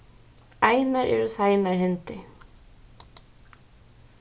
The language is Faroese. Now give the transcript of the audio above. einar eru seinar hendur